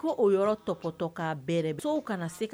Ko o yɔrɔ tɔtɔ' bɛrɛ se kana se